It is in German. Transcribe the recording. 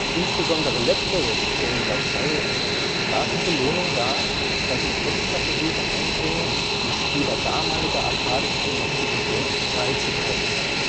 Insbesondere letztere stellen laut Curry eine starke Belohnung dar, da sie Extraversuche einbringen, die Spieler damaliger Arcade-Titel noch gegen Geld freizukaufen hatten